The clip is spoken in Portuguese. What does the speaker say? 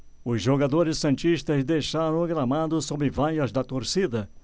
os jogadores santistas deixaram o gramado sob vaias da torcida